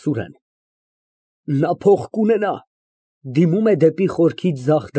ՍՈՒՐԵՆ ֊ Նա փող կունենա (Դիմում է դեպի խորքի դուռը)։